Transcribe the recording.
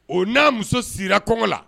O n'a muso sira kɔŋɔ la